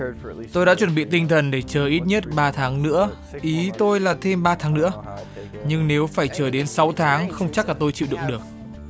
tôi đã chuẩn bị tinh thần để chờ ít nhất ba tháng nữa ý tôi là thêm ba tháng nữa nhưng nếu phải chờ đến sáu tháng không chắc là tôi chịu đựng được